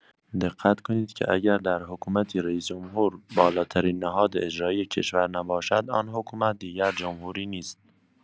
دقت کنید که اگر در حکومتی رئیس‌جمهور بالاترین نهاد اجرایی کشور نباشد، آن حکومت دیگر جمهوری نیست.